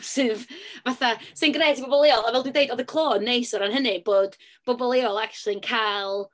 Sydd fatha... sy'n grêt i bobl leol. A fel dwi'n deud oedd y clo yn neis o ran hynny, bod bobl leol acshyli'n cael...